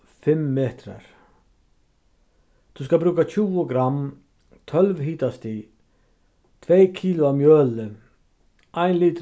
fimm metrar tú skalt brúka tjúgu gramm tólv hitastig tvey kilo av mjøli ein litur